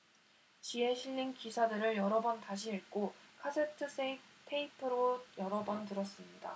지에 실린 기사들을 여러 번 다시 읽고 카세트테이프도 여러 번 들었습니다